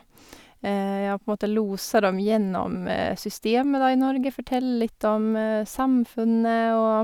Jeg på en måte loser dem gjennom systemet, da, i Norge, forteller litt om samfunnet og...